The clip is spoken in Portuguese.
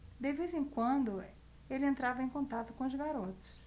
de vez em quando ele entrava em contato com os garotos